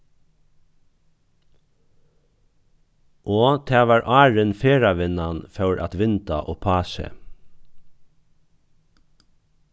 og tað var áðrenn ferðavinnan fór at vinda upp á seg